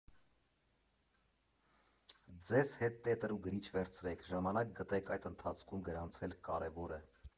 Ձեզ հետ տետր ու գրիչ վերցրեք, ժամանակ գտեք այդ ընթացքում գրանցել կարևորը։